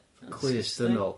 Clust dynol.